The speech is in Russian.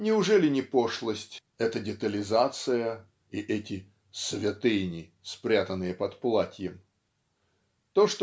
неужели не пошлость -- эта детализация и эти "святыни" спрятанные под платьем? То